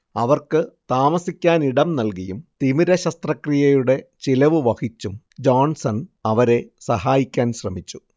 അവർക്ക് താമസിക്കാനിടം നൽകിയും തിമിരശസ്ത്രക്രിയയുടെ ചെലവ് വഹിച്ചും ജോൺസൺ അവരെ സഹായിക്കാൻ ശ്രമിച്ചു